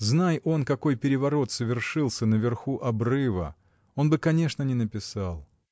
Знай он, какой переворот совершился наверху обрыва, он бы, конечно, не написал.